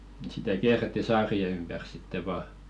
sitä kierrettiin saarien ympäri sitten vain